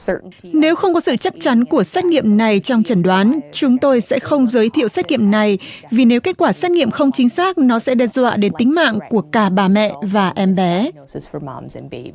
nếu không có sự chắc chắn của xét nghiệm này trong chẩn đoán chúng tôi sẽ không giới thiệu xét nghiệm này vì nếu kết quả xét nghiệm không chính xác nó sẽ đe dọa đến tính mạng của cả bà mẹ và em bé ốm